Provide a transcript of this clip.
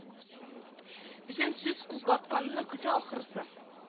Үзем сүз кузгатканны көтә ахрысы